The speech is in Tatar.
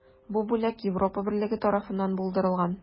Бу бүләк Европа берлеге тарафыннан булдырылган.